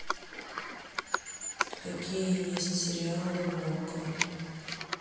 какие есть сериалы в окко